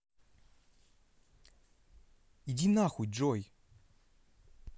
иди на хуй джой